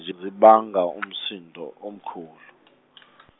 zilibanga umsindo omkhulu.